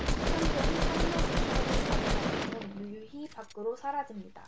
현금 삼 만 오 천 원을 받은 남성은 유유히 밖으로 사라집니다